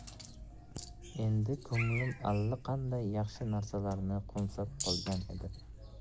endi ko'nglim alla qanday yaxshi narsalarni qo'msab qolgan edi